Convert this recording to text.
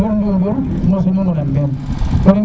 lul ndundur mosi numa naan meen